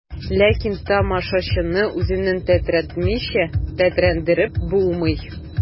Ләкин тамашачыны үзең тетрәнмичә тетрәндереп булмый.